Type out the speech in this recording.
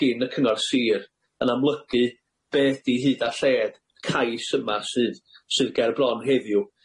gin y cyngor sir yn amlygu be' ydi hyd a lled y cais yma sy- sydd ger bron heddiw.